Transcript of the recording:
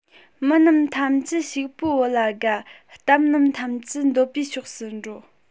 མི རྣམས ཐམས ཅད ཕྱུག པོའི བུ ལ དགའ གཏམ རྣམས ཐམས ཅད འདོད པའི ཕྱོགས སུ འགྲོ